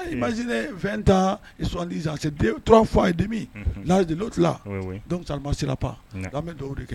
Ɛɛ, imaginez 20 ans et 70 ans, c'est 2 3 fois et demi . Unhun. L'âge de l'autre là . Oui, oui :. Donc, ça ne marchera pas . Oui _. An bɛ duwawu de kɛ.